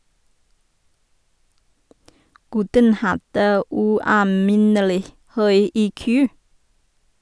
Gutten hadde ualminnelig høy IQ.